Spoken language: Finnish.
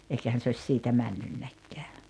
eikähän se olisi siitä mennytkään